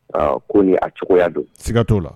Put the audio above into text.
Aa ko ni a cogoya don. Siga t'o la.